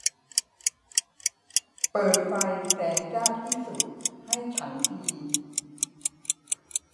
เปิดไฟแสงจ้าที่สุดให้ฉันที